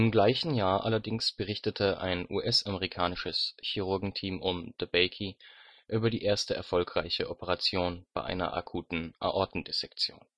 gleichen Jahr allerdings berichtete ein US-amerikanisches Chirurgenteam um DeBakey über die erste erfolgreiche Operation bei einer akuten Aortendissektion